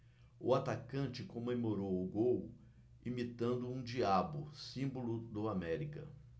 o atacante comemorou o gol imitando um diabo símbolo do américa